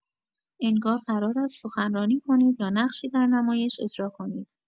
انگار قرار است سخنرانی کنید یا نقشی در نمایش اجرا کنید.